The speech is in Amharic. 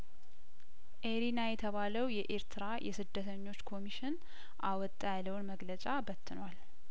ኤሪና የተባለው የኤርትራ የስደተኞች ኮሚሽን አወጣ ያለውን መግለጫ በትኗል